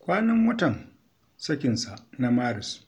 Kwanan watan sakinsa na Maris